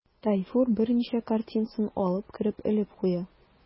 Тайфур берничә картинасын алып кереп элеп куя.